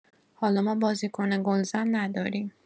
حالا ما بازیکن گلزن نداریم.